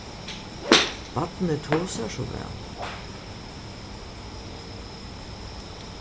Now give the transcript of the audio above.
barnið tosar so væl